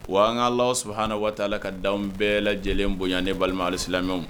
Wa an ka la sabaha waa la ka da bɛɛ lajɛlen bonya ni balima hali lamɛnw